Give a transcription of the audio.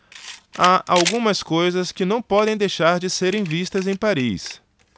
há algumas coisas que não podem deixar de serem vistas em paris